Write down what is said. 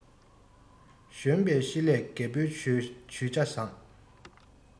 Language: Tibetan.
གཞོན པའི ཤེད ལས རྒད པོའི ཇུས བྱ བཟང